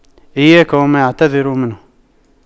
إياك وما يعتذر منه